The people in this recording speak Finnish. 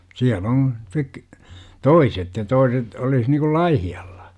siellä on - toiset ja toiset olisi niin kuin Laihialla